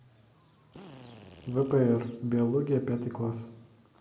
впр биология пятый класс